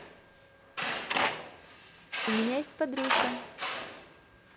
у меня есть подружка